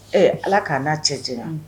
Ee allah k'a n'a cɛ jan ya.